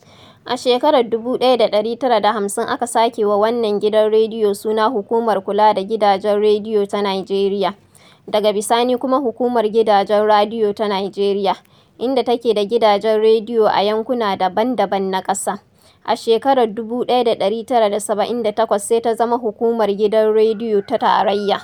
A shekarar 1950 aka sake wa wannan gidan rediyo suna Hukumar Kula da Gidajen Rediyo Ta Nijeriya, daga bisani kuma Hukumar Gidajen Radiyo Ta Nijeriya, inda take da gidajen rediyo a yankuna daban-daban na ƙasa. A shekarar 1978 sai ta zama Hukumar Gidan Radiyo ta Tarayya.